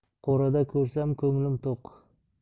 qo'rada ko'rsam ko'nglim to'q